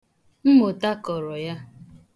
Mmụta kọrọ ya.